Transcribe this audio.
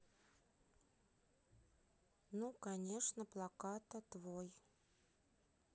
ну конечно плаката твой